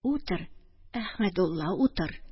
Урыр, Әхмәдулла, утыр.